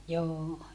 joo